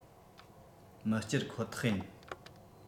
མི གཅར ཁོ ཐག ཡིན